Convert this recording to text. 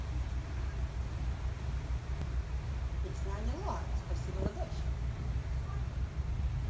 песня ани лорак спасибо за дочь